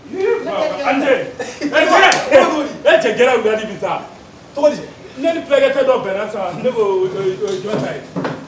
E cɛ bi taa ne nikɛ tɛ dɔ bɛnna sa ne jɔn ta ye